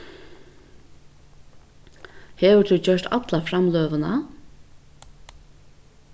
hevur tú gjørt alla framløguna